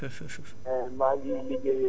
Mouhamadou Mkhtar Mbaye